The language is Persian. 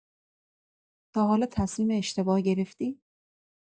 تا حالا تصمیم اشتباه گرفتی؟